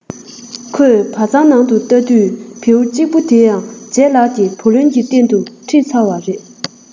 ཁོས བ ཚང ནང དུ ལྟ དུས བེའུ གཅིག པུ དེ ཡང ལྗད ལགས ཀྱིས བུ ལོན གྱི རྟེན དུ ཁྲིད ཚར བ རེད